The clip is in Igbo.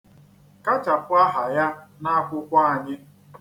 Kachapụ aha ya n'akwụkwọ anyị.